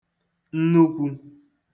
nnukwū